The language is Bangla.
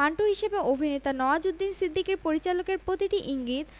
মান্টো হিসেবে অভিনেতা নওয়াজুদ্দিন সিদ্দিকী পরিচালকের প্রতিটি ইঙ্গিত